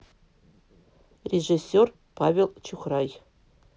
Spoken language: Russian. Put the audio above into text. режиссер павел чухрай